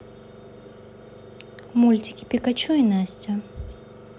мультики пикачу и настя